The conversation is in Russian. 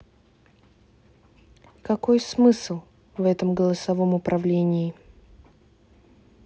какой смысл в этом голосовом управлении